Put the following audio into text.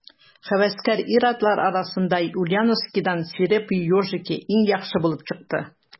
Һәвәскәр ир-атлар арасында Ульяновскидан «Свирепые ежики» иң яхшы булып чыкты.